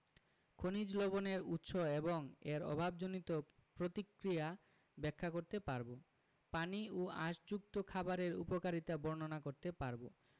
খনিজ লবণের উৎস এবং এর অভাবজনিত প্রতিক্রিয়া ব্যাখ্যা করতে পারব পানি ও আশযুক্ত খাবারের উপকারিতা বর্ণনা করতে পারব